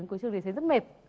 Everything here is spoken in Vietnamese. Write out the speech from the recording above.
cuối trường thì thấy rất mệt